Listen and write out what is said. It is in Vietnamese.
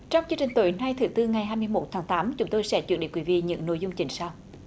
trong chương trình tối nay thứ tư ngày hai mươi mốt tháng tám chúng tôi sẽ chuyển đến quý vị những nội dung chính sau